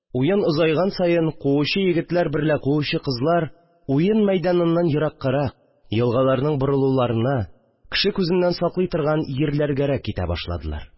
Уен озайган саен, куучы егетләр берлә куучы кызлар уен мәйданыннан ераграк, елгаларның борлуларына, кеше күзеннән саклый торган җирләргәрәк китә башладылар